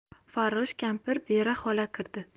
farrosh kampir vera xola kirdi